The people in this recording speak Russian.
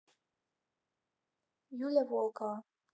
юля волкова